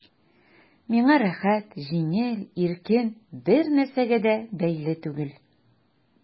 Миңа рәхәт, җиңел, иркен, бернәрсәгә дә бәйле түгел...